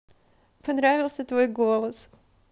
понравился твой голос